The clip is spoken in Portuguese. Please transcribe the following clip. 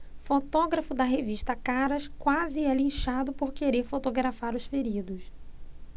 fotógrafo da revista caras quase é linchado por querer fotografar os feridos